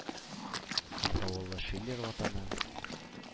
Һәм давыллы Шиллер ватаны?